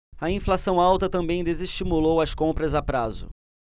a inflação alta também desestimulou as compras a prazo